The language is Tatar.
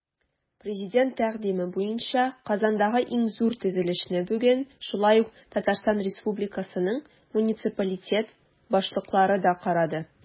Президент тәкъдиме буенча Казандагы иң зур төзелешне бүген шулай ук ТР муниципалитет башлыклары да карады.